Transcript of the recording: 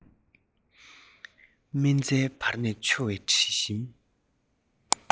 སྨན རྩྭའི བར ནས འཕྱོ བའི དྲི མ ཞིམ པོ